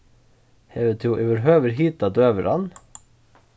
hevur tú yvirhøvur hitað døgurðan